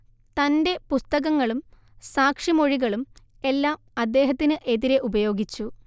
തന്റെ പുസ്തകങ്ങളും സാക്ഷിമൊഴികളും എല്ലാം അദ്ദേഹത്തിന് എതിരെ ഉപയോഗിച്ചു